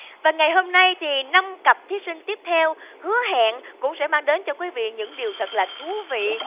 và ngày hôm nay thì năm cặp thí sinh tiếp theo hứa hẹn cũng sẽ mang đến cho quý vị những điều thật là thú vị